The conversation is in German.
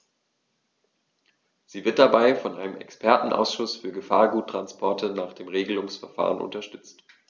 Sie wird dabei von einem Expertenausschuß für Gefahrguttransporte nach dem Regelungsverfahren unterstützt.